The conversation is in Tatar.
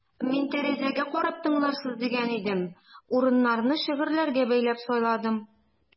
Мин тәрәзәгә карап тыңларсыз дигән идем: урыннарны шигырьләргә бәйләп сайладым.